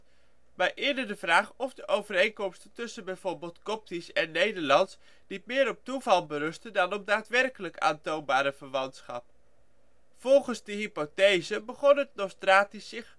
eerder de vraag of de overeenkomsten tussen bijvoorbeeld Koptisch en Nederlands niet meer op toeval berusten dan op daadwerkelijk aantoonbare verwantschap. Volgens de hypothese begon het Nostratisch zich